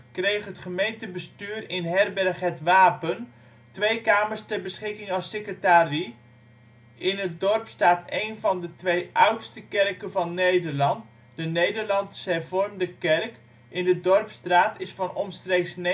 kreeg het gemeentebestuur in herberg Het Wapen twee kamers ter beschikking als secretarie. In het dorp staan staat één van de twee oudste kerken van Nederland: de Nederlands-hervormde kerk in de dorpsstraat is van omstreeks 900